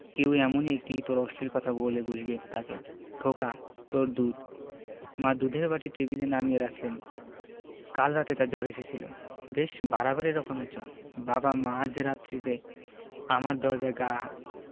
কেউ এমনি একটি ইতর অশ্লীল কথা বলে বসবে তাকে খোকা তোর দুধ মা দুধের বাটি টেবিলে নামিয়ে রাখলেন কাল রাতে তার জ্বর এসেছিল বেশ বাড়াবাড়ি রকমের জ্বর বাবা মাঝ রাত্তিরে আমার দরজায় ঘা